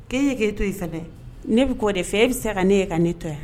K'e ye k'e to i saba ne bɛ kɔ de fɛ e bɛ se ka ne ye ka ne to yan